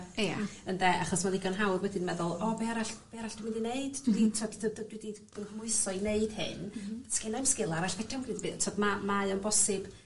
Ia. Ynde achos ma' ddigon hawdd wedyn meddwl o be' arall be' arall dwi mynd i neud dwi 'di fy nghymhwyso i neud hyn. M-hm. Sgennai 'im sgil arall fedrai'm t'od ma' mae yn bosib